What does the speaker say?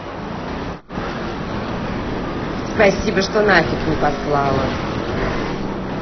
спасибо что нафиг не послала